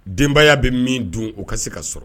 Denbaya bi min don o ka se ka sɔrɔ.